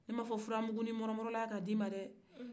ne ma a fɔ ko furamukuni morɔmorɔla ka di i ma dɛ